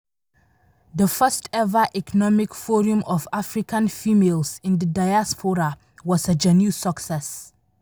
This first ever Economic Forum of African females in the Diaspora was a genuine success.